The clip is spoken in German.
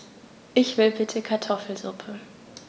Ich will bitte Kartoffelsuppe.